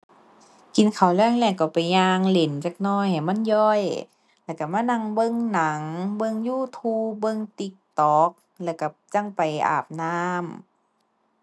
กินข้าวแลงแล้วก็ไปย่างเล่นจักหน่อยให้มันย่อยแล้วก็มานั่งเบิ่งหนัง เบิ่ง YouTube เบิ่ง TikTok แล้วก็จั่งไปอาบน้ำ